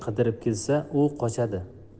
uyga qidirib kelsa u qochadi